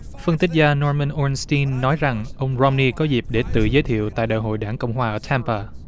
phân tích gia no mơn om si nói rằng ông rôm ni có dịp để tự giới thiệu tại đại hội đảng cộng hòa ở tam pờ